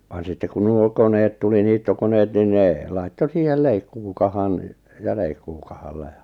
vaan sitten kun nuo koneet tuli niittokoneet niin ne laittoi siihen leikkuukahan ja leikkuukahalla ja